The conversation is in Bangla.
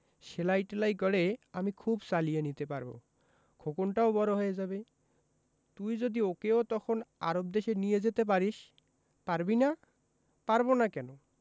সেলাই টেলাই করে আমি খুব চালিয়ে নিতে পারব খোকনটাও বড় হয়ে যাবে তুই যদি ওকেও তখন আরব দেশে নিয়ে যেতে পারিস পারবি না পারব না কেন